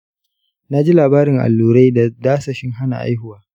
naji labarin allurai da dasashin hana haihuwa.